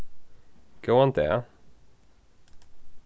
góðan dag